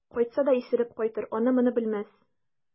Кайтса да исереп кайтыр, аны-моны белмәс.